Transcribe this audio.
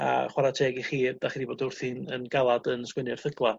a chwara' teg i chi 'da chi 'di bod wrthi'n yn galad yn sgwennu erthygla